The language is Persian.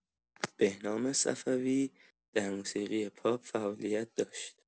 بهنام صفوی در موسیقی پاپ فعالیت داشت.